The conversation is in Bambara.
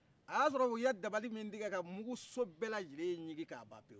a y'a sɔrɔ u ye dabali min tigɛ ka mungu so bɛɛ lajɛlen ɲegin k'a ban pewu